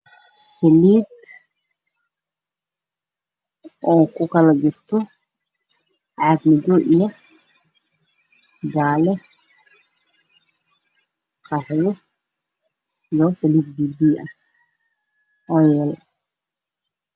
Waa caagado waxaa ku jira saliid midabkooda yihiin madow